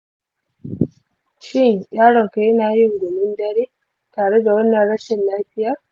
shin yaronka yana yin gumin dare tare da wannan rashin lafiyar?